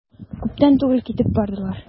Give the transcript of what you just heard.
Күптән түгел китеп бардылар.